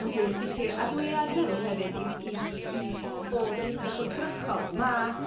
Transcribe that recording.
yndi yn sicir a dwi yn meddwl hefyd i i i fod yn eitha gwrthrychol ma'...